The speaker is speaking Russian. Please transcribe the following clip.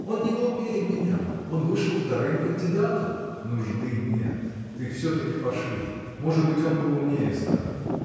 он не глупее меня: он вышел вторым кандидатом. – Нужды нет, ты все-таки пошли может быть, он поумнее станет